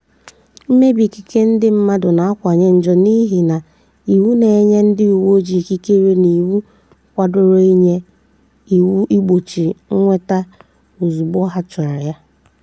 Mmebi ikike ndị nke mmadụ na-akawanye njọ n'ihi na iwu na-enye ndị uwe ojii ikikere nke iwu kwadoro inye iwu igbochi nnweta ozugbo ha chọrọ ya.